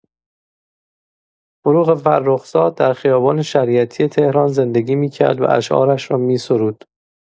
فروغ فرخزاد در خیابان شریعتی تهران زندگی می‌کرد و اشعارش را می‌سرود.